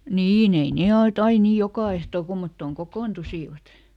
niin ei ne ollut aina niin joka ehtoo kummottoon kokoontuivat